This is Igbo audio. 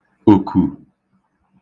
òkù